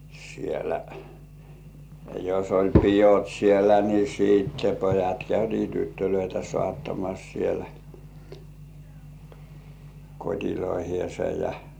siellä jos oli pidot siellä niin sitten pojat käytiin tyttöjä saattamassa siellä koteihinsa ja